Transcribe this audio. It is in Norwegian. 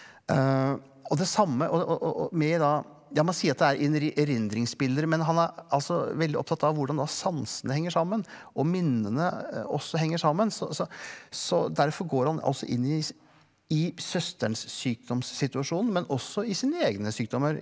og det samme og og og og med da ja man sier at det er erindringsbilder, men han er altså veldig opptatt av hvordan da sansene henger sammen og minnene også henger sammen så så så derfor går han også inn i i søsterens sykdomssituasjon men også i sine egne sykdommer.